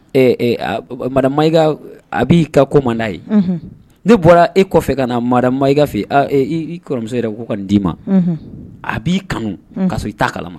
Ɛɛ a b'i ka ko man'a ye ne bɔra e kɔfɛ ka na ma ika fɛ kɔrɔmuso yɛrɛ k'u ka n d'i ma a b'i kanu ka sɔrɔ i ta kalama